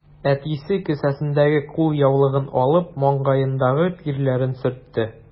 Әтисе, кесәсендәге кулъяулыгын алып, маңгаендагы тирләрен сөртте.